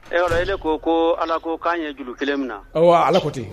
Ɛ e ko ko ala ko k'an ye juru kelen min na ala ko ten